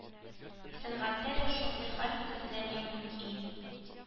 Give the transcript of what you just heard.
Сәнгатьтә дә шундый хәл күзәтелергә мөмкин